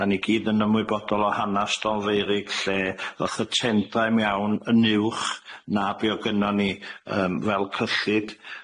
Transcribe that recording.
Dan ni gyd yn ymwybodol o hanas Dolfeurig lle ddoth y tenda' im iawn yn uwch na be o gynnon ni yym fel cyllid.